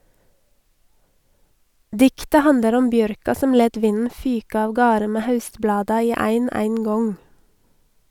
Diktet handlar om bjørka som let vinden fyka avgarde med haustblada i ein eingong.